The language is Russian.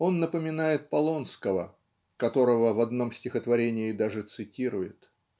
он напоминает Полонского (которого в одном стихотворении даже цитирует).